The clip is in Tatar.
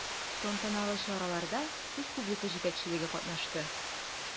Тантаналы чараларда республика җитәкчелеге катнашты.